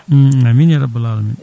amine ya rabal alamina